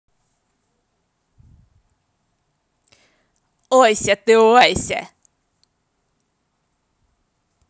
ойся ты ойся